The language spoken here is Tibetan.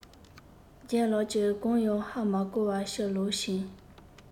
ལྗད ལགས ཀྱིས གང ཡང ཧ མ གོ བར ཕྱིར ལོག ཕྱིན